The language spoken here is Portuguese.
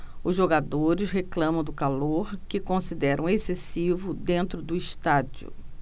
os jogadores reclamam do calor que consideram excessivo dentro do estádio